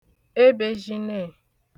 ebēzhine